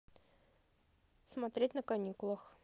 смотреть на каникулах